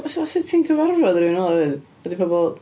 S-- sut ti'n cyfarfod rhywun fel 'na wedyn ? Ydi pobol...